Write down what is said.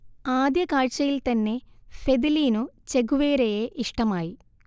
ആദ്യ കാഴ്ചയിൽ തന്നെ ഫെദിലീനു ചെ ഗുവേരയെ ഇഷ്ടമായി